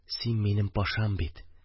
– син минем пашам бит..